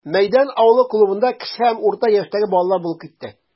Мәйдан авылы клубында кече һәм урта яшьтәге балалар булып китте.